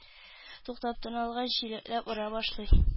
Туктап тын алгач, чиләкләп ора башлый